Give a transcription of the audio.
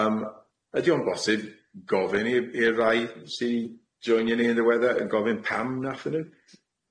Yym ydi o'n bosib gofyn i i'r rhai sy'n joinio ni yn ddiweddar yn gofyn pam nathon n'w?